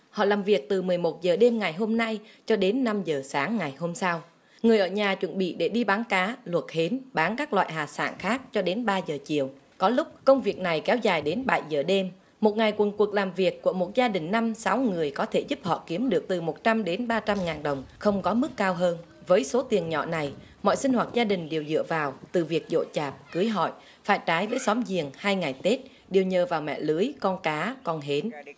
họ làm việc từ mười một giờ đêm ngày hôm nay cho đến năm giờ sáng ngày hôm sau người ở nhà chuẩn bị để đi bán cá luộc hến bán các loại hải sản khác cho đến ba giờ chiều có lúc công việc này kéo dài đến bảy giờ đêm một ngày quần quật làm việc của một gia đình năm sáu người có thể giúp họ kiếm được từ một trăm đến ba trăm ngàn đồng không có mức cao hơn với số tiền nhỏ này mọi sinh hoạt gia đình đều dựa vào từ việc giỗ chạp cưới hỏi phải trái với xóm giềng hai ngày tết đều nhờ vào mẹ lưới con cá con hến